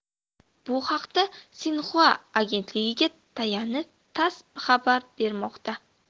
bu haqda sinxua agentligiga tayanib tass xabar bermoqda